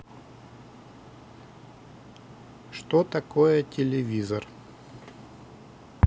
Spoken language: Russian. что такое телевизор